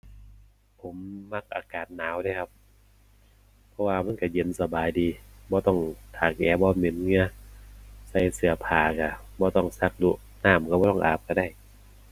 ผมมักอากาศหนาวเดะครับ เพราะว่ามันก็เย็นสบายดี บ่ต้องตากแอร์ บ่เหม็นเหงื่อ ใส่เสื้อผ้าก็บ่ต้องซักดู๋ น้ำก็บ่ต้องอาบก็ได้